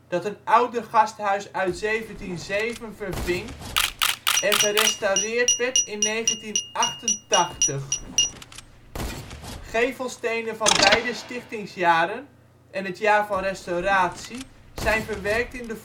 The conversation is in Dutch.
dat een ouder gasthuis uit 1707 verving en gerestaureerd werd in 1988. Gevelstenen van beide stichtingsjaren en het jaar van restauratie zijn verwerkt in de